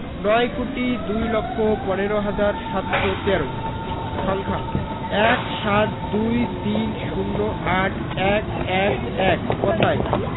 নয় কোটি দুই লক্ষ পনেরো হাজার সাতশো তেরো সংখ্যাঃ ১৭ ২৩ ০৮ ১১১ কথায়ঃ